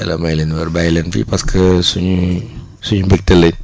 yàlla may leen wér bàyyi leen fi parce que suñu suñu mbégte lay